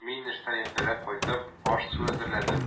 Мин, эштән иртәрәк кайтып, аш-су әзерләдем.